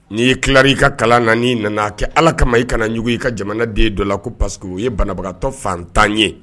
N'i yei kira i ka kalan nan nana kɛ ala kama i kanajugu i ka jamana den dɔ la ko pa que u ye banabagatɔ fantan ye